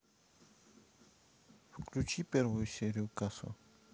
включи первую серию касла